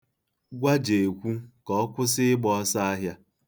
Gwa Jekwu ka ọ kwụsị ịgba ọsọahịa.